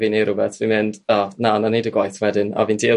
fi neu rywbeth fi'n mynd o na na'i 'neud y gwaith wedyn a fi'n dueddol